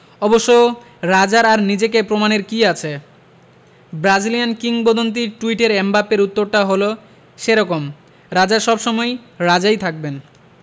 অবশ্য রাজার আর নিজেকে প্রমাণের কী আছে ব্রাজিলিয়ান কিংবদন্তির টুইটের এমবাপ্পের উত্তরটাও হলো সে রকম রাজা সব সময়ই রাজাই থাকবেন